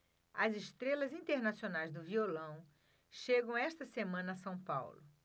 as estrelas internacionais do violão chegam esta semana a são paulo